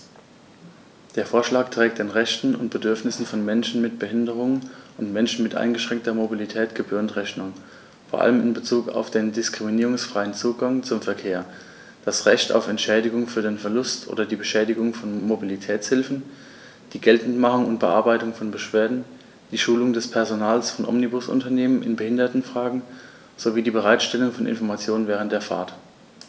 Der Vorschlag trägt den Rechten und Bedürfnissen von Menschen mit Behinderung und Menschen mit eingeschränkter Mobilität gebührend Rechnung, vor allem in Bezug auf den diskriminierungsfreien Zugang zum Verkehr, das Recht auf Entschädigung für den Verlust oder die Beschädigung von Mobilitätshilfen, die Geltendmachung und Bearbeitung von Beschwerden, die Schulung des Personals von Omnibusunternehmen in Behindertenfragen sowie die Bereitstellung von Informationen während der Fahrt.